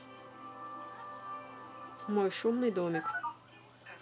мой шумный домик